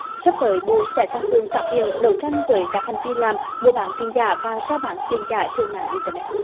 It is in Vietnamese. sắp tới bộ sẽ tăng cường phát hiện đấu tranh với các hành vi làm mua bán tiền giả và rao bán tiền giả trên mạng in tơ nét